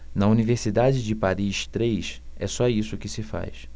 na universidade de paris três é só isso que se faz